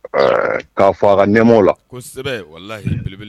K'a fɔ a ka nɛma la kosɛbɛ wala